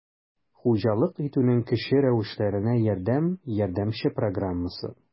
«хуҗалык итүнең кече рәвешләренә ярдәм» ярдәмче программасы